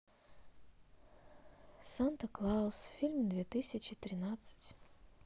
санта клаус фильм две тысячи тринадцать